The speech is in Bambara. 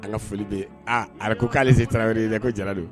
A ka foli bɛ aaa a ko k'alese tarawele la ko jara don